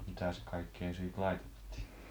mitäs kaikkea siitä laitettiin